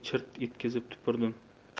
chirt etkizib tupurdim